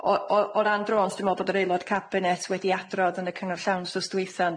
O- o- o ran drôns dwi me'wl bod yr Aelod Cabinet wedi adrodd yn y cyngor llawn wsos dwytha yn do.